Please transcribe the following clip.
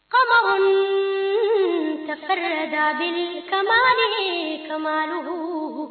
Kabasonin tiga da kain kadugu